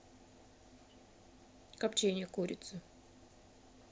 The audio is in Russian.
копчение курицы